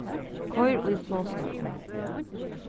koyr í flogstøðu